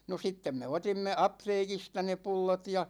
no sitten me otimme apteekista ne pullot ja